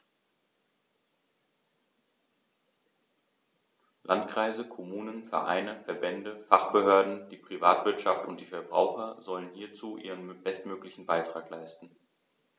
Landkreise, Kommunen, Vereine, Verbände, Fachbehörden, die Privatwirtschaft und die Verbraucher sollen hierzu ihren bestmöglichen Beitrag leisten.